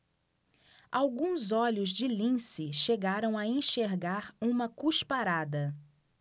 alguns olhos de lince chegaram a enxergar uma cusparada